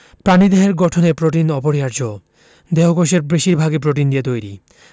প্রাণীদেহের গঠনে প্রোটিন অপরিহার্য দেহকোষের বেশির ভাগই প্রোটিন দিয়ে তৈরি